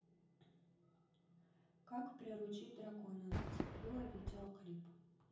как приручить дракона зацепила видеоклип